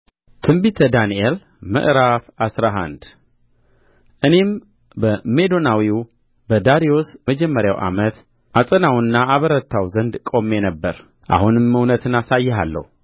ትንቢተ ዳንኤል ምዕራፍ አስራ አንድ እኔም በሜዶናዊ በዳርዮስ መጀመሪያ ዓመት አጸናውና አበረታው ዘንድ ቆሜ ነበር አሁንም እውነትን አሳይሃለሁ